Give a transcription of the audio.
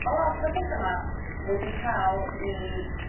Ma' lot o'r petha 'ma wedi ca'l 'u